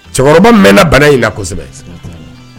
Cɛkɔrɔba mɛnna bana in la kosɛbɛ